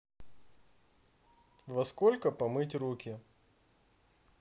во сколько помыть руки